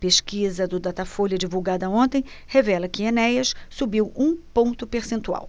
pesquisa do datafolha divulgada ontem revela que enéas subiu um ponto percentual